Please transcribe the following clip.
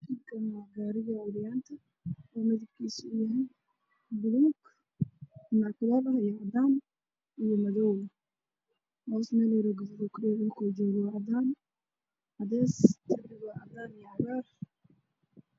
Waa gaariga caruurta lagu ciyaar siiyo midab kiisu waxaa madow